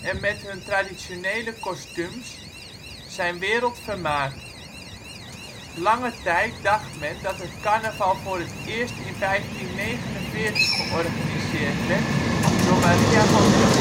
en met hun traditionele kostuums zijn wereldvermaard. Lang tijd dacht men dat het carnaval voor het eerst in 1549 georganiseerd werd door Maria van